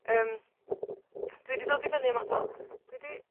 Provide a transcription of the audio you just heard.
Yym, dwi 'di dod i fyny yma, wel, dwi 'di